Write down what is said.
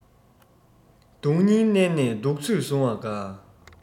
སྡུག སྙིང མནན ནས སྡུག ཚོད བཟུང བ དགའ